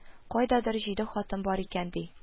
"кайдадыр җиде хатын бар икән, ди